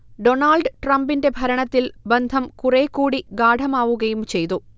Donald ട്രംപിന്റെ ഭരണത്തിൽ ബന്ധം കുറേക്കൂടി ഗാഢമാവുകയും ചെയ്തു